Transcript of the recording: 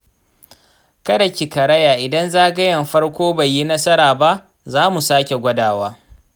kada ki karaya idan zagayen farko bai yi nasara ba, za mu sake gwadawa.